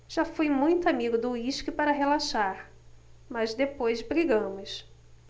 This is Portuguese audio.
já fui muito amigo do uísque para relaxar mas depois brigamos